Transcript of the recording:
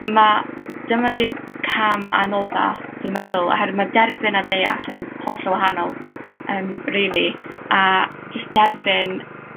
Ma' dym 'di'r cam anodda, dwi'n meddwl, oherwydd ma' derbyn a deall yn hollol wahanol yym rili a jys derbyn